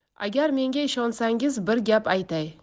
agar menga ishonsangiz bir gap aytay